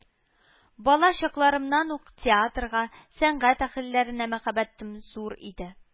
Бала чакларымнан ук театрга, сәнгать әһелләренә мәхәббәтем зур иде